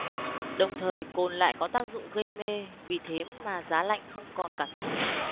đồng thời cồn lại có tác dụng gây mê vì thế mà giá lạnh không còn cảm nhận được